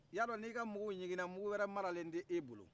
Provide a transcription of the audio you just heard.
a y'a dɔn n'i ka mungu ɲiginna mungu wɛrɛ maralen tɛ e bolo